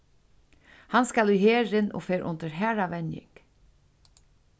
hann skal í herin og fer undir harða venjing